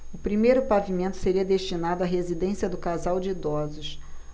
o primeiro pavimento seria destinado à residência do casal de idosos